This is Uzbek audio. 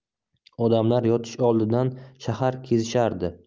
odamlar yotish oldidan shahar kezishardi